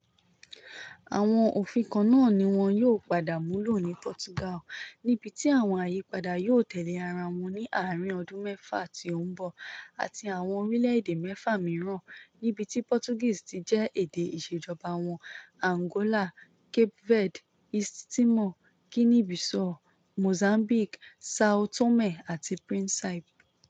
Àwọn òfin kan náà ni wọn yóò padà múlò ní Portugal, níbi tí àwọn àyípadà yóò tẹ̀lé ara wọn ní àárin ọdún mẹ́fà tí ó ń bọ̀, àti ní àwọn orílẹ̀-èdè 6 mìíràn níbi tí Portuguese ti jẹ́ èdè ìṣèjọba wọn: Angola, Cape Verde, East Timor, Guinea-Bissau, Mozambique, São Tomé àti Principe.